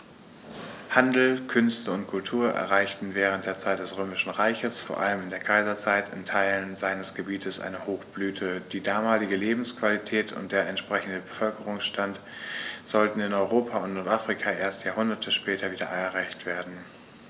Handel, Künste und Kultur erreichten während der Zeit des Römischen Reiches, vor allem in der Kaiserzeit, in Teilen seines Gebietes eine Hochblüte, die damalige Lebensqualität und der entsprechende Bevölkerungsstand sollten in Europa und Nordafrika erst Jahrhunderte später wieder erreicht werden.